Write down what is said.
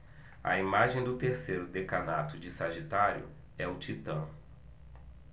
a imagem do terceiro decanato de sagitário é o titã